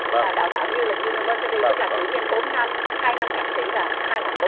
mà đào tạo như làdiu ni vơ si ty tức là cử nhân bốn năm hai năm thạc sĩ và hai hoặc bốn